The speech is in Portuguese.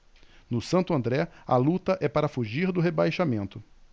no santo andré a luta é para fugir do rebaixamento